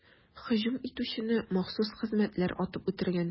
Һөҗүм итүчене махсус хезмәтләр атып үтергән.